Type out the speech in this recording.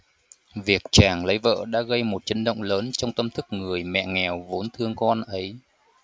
việc tràng lấy vợ đã gây một chấn động lớn trong tâm thức người mẹ nghèo vốn thương con ấy